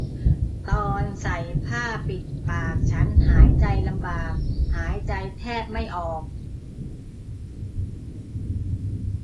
ตอนใส่ผ้าปิดปากฉันหายใจลำบากหายใจแทบไม่ออก